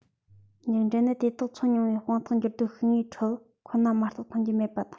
མཇུག འབྲས ནི དེ དག འཚོ མྱོང བའི དཔང རྟགས འགྱུར རྡོའི ཤུལ དངོས ཁྲོད ཁོ ན མ གཏོགས མཐོང རྒྱུ མེད པ དང